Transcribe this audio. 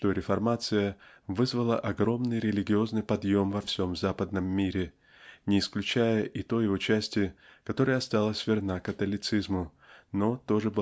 что реформация вызвала огромный религиозный подъем во всем Западном мире не исключая и той его части которая осталась верна католицизму но тоже